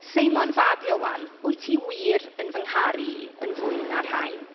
Seimon fab Ioan, wyt ti wir yn fy ngharu i yn fwy na'r rhain?